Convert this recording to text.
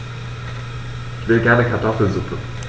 Ich will gerne Kartoffelsuppe.